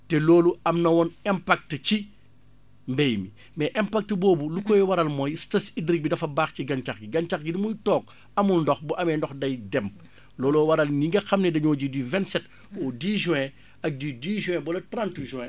te loolu am na woon impact ci mbay mi mais impact boobu lu koy waral mooy stas hydrique bi dafa baax ci gàncax bi gàncax gi ni muy toog amul ndox bu amee ndox day dem looloo waral ñi nga xam ne dañoo ji du vingt sept au dix juin ak du dix juin ba le trante juin